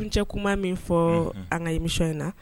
Tun cɛ kuma min fɔ an ka imisɔn in na